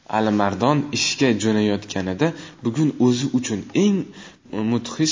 alimardon ishga jo'nayotganida bugun o'zi uchun ham eng mudhish